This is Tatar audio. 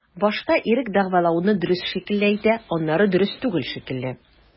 Башта ирек дәгъвалауны дөрес шикелле әйтә, аннары дөрес түгел шикелле.